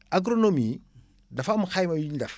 agronomie yi dafa am xayma yu ñu def